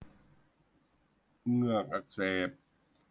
เหงือกอักเสบ